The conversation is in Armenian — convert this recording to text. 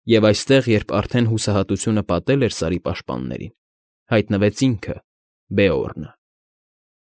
Եվ այստեղ, երբ արդեն հուսահատությունը պատել էր Սարի պաշտպաններին, հայտնվեց ինքը՝ Բեորնը։